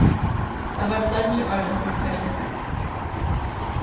tað vardi leingi áðrenn hann fekk nakað navn